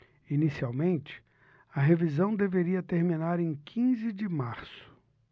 inicialmente a revisão deveria terminar em quinze de março